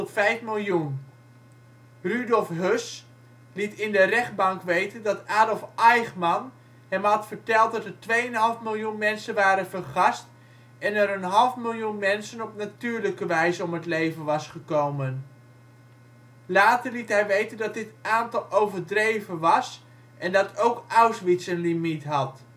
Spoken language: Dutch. vijf miljoen. Rudolf Höss liet in de rechtbank weten dat Adolf Eichmann hem had verteld dat er 2,5 miljoen mensen waren vergast en er een half miljoen mensen op natuurlijke wijze om het leven was gekomen. Later liet hij weten dat dit aantal overdreven was en dat ook Auschwitz een limiet had